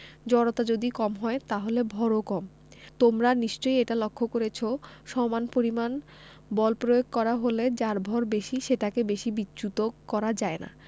জড়তা যদি কম হয় তাহলে ভরও কম তোমরা নিশ্চয়ই এটা লক্ষ করেছ সমান পরিমাণ বল প্রয়োগ করা হলে যার ভর বেশি সেটাকে বেশি বিচ্যুত করা যায় না